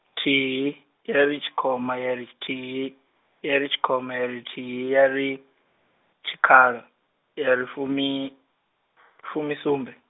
thihi, ya ri tshi khoma ya ri tshithihi, ya ri tshi koma ya ri thihi ya ri, tshikhala, ya ri fumi, fumisumbe.